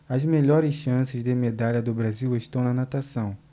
as melhores chances de medalha do brasil estão na natação